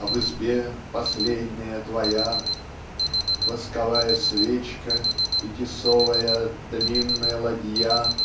А в избе - последняя твоя Восковая свечка и тесовая Длинная ладья.